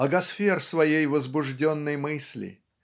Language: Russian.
Агасфер своей возбужденной мысли.